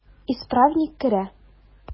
Исправник керә.